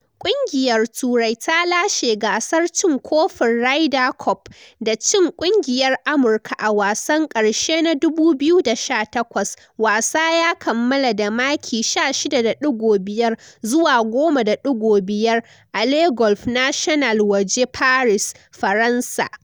Kungiyar Turai ta lashe gasar cin kofin Ryder Cup da cin kungiyar Amurka a wasan karshe na 2018 wasan ya kammalla da maki 16.5 zuwa 10.5 a Le Golf National waje Paris, Faransa.